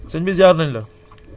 sëñ bi ziyaar nañ la